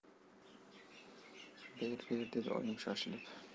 ber ber dedi oyim shoshilib